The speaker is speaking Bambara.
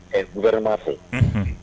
U wɛrɛ m' fɔ